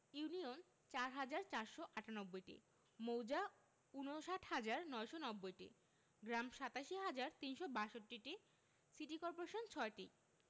union ৪হাজার ৪৯৮টি মৌজা ৫৯হাজার ৯৯০টি গ্রাম ৮৭হাজার ৩৬২টি সিটি কর্পোরেশন ৬টি